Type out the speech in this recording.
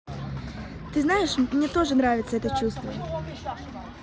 ты знаешь мне тоже нравится это чувство